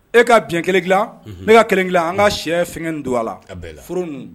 E ka bi kelen dila ne ka kelen dila an ka shɛ fɛn don a la ka furu ninnu